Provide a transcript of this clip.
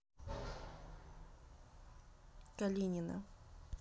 калинина